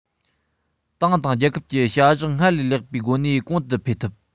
ཏང དང རྒྱལ ཁབ ཀྱི བྱ གཞག སྔར ལས ལེགས པའི སྒོ ནས གོང དུ འཕེལ ཐུབ